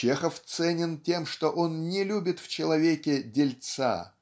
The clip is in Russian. Чехов ценен тем, что он не любит в человеке дельца.